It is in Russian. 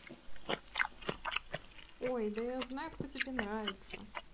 ой да я знаю кто тебе нравится